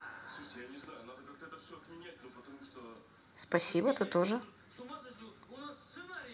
спасибо ты тоже